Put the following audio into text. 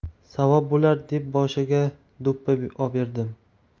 savob bo'lar deb boshiga do'ppi oberdim